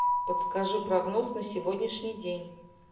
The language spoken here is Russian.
подскажи прогноз на сегодняшний день